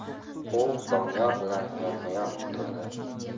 u doniyor bilan yonma yon o'tirdi